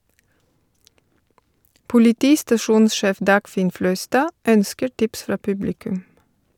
Politistasjonssjef Dagfinn Fløystad ønsker tips fra publikum.